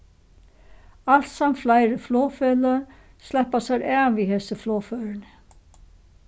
alsamt fleiri flogfeløg sleppa sær av við hesi flogførini